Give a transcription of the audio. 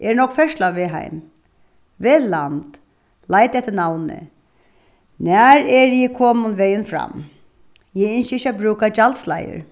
er nógv ferðsla á veg heim vel land leita eftir navni nær eri eg komin vegin fram eg ynski ikki at brúka gjaldsleiðir